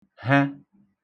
-hẹ